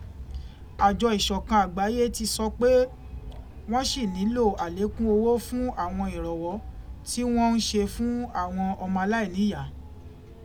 Àjọ ìṣọ̀kan àgbáyé ti sọ pé wọ́n ṣì nílò àlékún owó fún àwọn ìrànwọ́ tí wọ́n ń se fún àwọn ọmọ aláìníyàá.